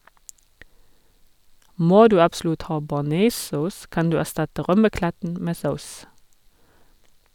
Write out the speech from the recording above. Må du absolutt ha bearnéssaus, kan du erstatte rømmeklatten med saus.